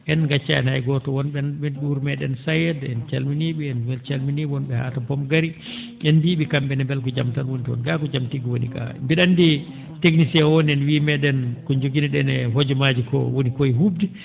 en ngaccaani hay gooto won?e ?o wuro mee?en Saedé en calminii ?e en calminii won?e haa to Boggari en mbiyii ?e kam?e ne mbele ko jam tan woni toon gaa ko jam tigi woni gaa mbi?o anndi technicien o nane wiya mee?en ko jogino?en e hojomaaji koo woni koye huu?de